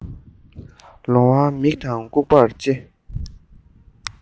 ལོང བར མིག དང ལྐུགས པར ལྕེ